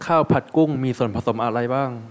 ข้าวผัดกุ้งมีส่วนผสมอะไรบ้าง